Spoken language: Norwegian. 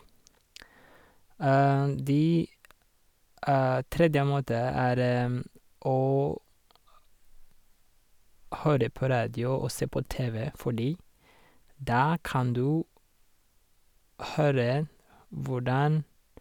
de Tredje måte er å høre på radio og se på TV, fordi da kan du høre hvordan...